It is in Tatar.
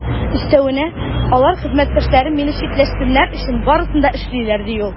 Өстәвенә, алар хезмәттәшләрем миннән читләшсеннәр өчен барысын да эшлиләр, - ди ул.